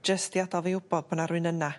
Jyst i adal fi wbod bo' na rwyn yna.